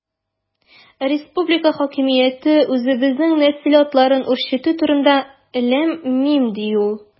Республика хакимияте үзебезнең нәсел атларын үрчетү турында– ләм-мим, ди ул.